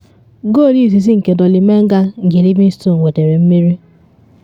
Livingston akwagotere kụjara Rangers iji tinye Steven Gerrard na ọdịda nke abụọ ya n’egwuregwu 18 ka onye ndu nke otu Ibrox.